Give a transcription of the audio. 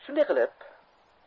shunday qilib